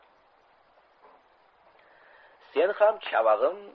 sen ham chavag'im